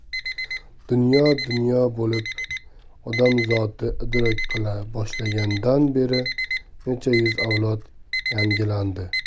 dunyo dunyo bo'lib odam zoti idrok qila boshlagandan beri necha yuz avlod yangilandi